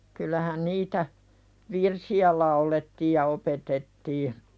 kyllähän niitä virsiä laulettiin ja opetettiin